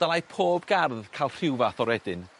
Dylai pob gardd ca'l rhyw fath o redyn.